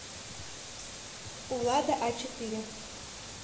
у влада а четыре